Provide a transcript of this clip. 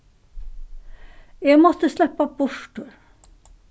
eg mátti sleppa burtur